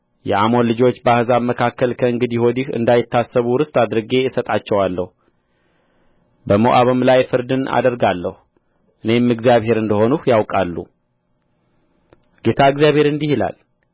የአሞን ልጆች በአሕዛብ መካከል ከእንግዲህ ወዲህ እንዳይታሰቡ ርስት አድርጌ እሰጣቸዋለሁ በሞዓብም ላይ ፍርድን አደርጋለሁ እኔም እግዚአብሔር እንደ ሆንሁ ያውቃሉ ጌታ እግዚአብሔር እንዲህ ይላል